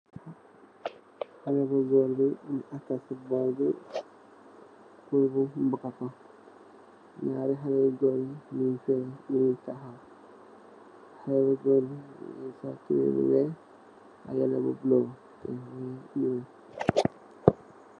Xaale bi goor bi aeiki ki si ball bi pul bu bukako nei re xalay nu goor ri nu nei tahawei xaley bu goor bi mu nei sul tebey bu weex ak yeeri bu blue mu nei play